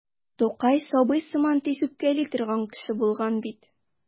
Тукай сабый сыман тиз үпкәли торган кеше булган бит.